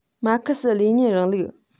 མར ཁེ སི ལེ ཉིན རིང ལུགས